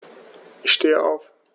Ich stehe auf.